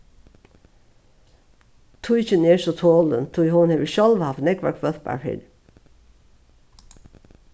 tíkin er so tolin tí hon hevur sjálv havt nógvar hvølpar fyrr